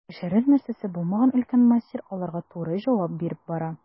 Яшерер нәрсәсе булмаган өлкән мастер аларга туры җавап биреп бара.